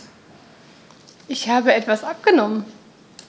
Ich habe etwas abgenommen.